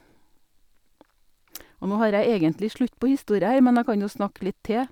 Og nå har jeg egentlig slutt på historia her, men jeg kan jo snakke litt til.